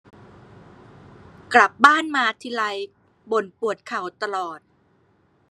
กลับบ้านมาทีไรบ่นปวดเข่าตลอด